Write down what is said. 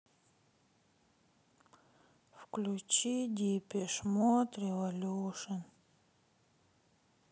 включи дипиш мод революшн